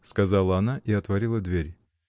— сказала она и отворила дверь.